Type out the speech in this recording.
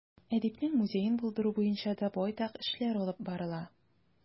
Әдипнең музеен булдыру буенча да байтак эшләр алып барыла.